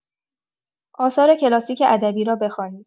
آثار کلاسیک ادبی را بخوانید!